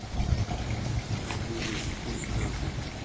а будешь пусть нахуй